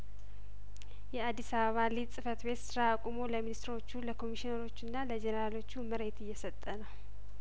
የአዲስ አበባ ሊዝ ጽፈት ቤት ስራ አቁሞ ለሚኒስትሮቹ ለኮሚሽነሮ ችና ለጀኔራሎቹ መሬት እየሰጠ ነው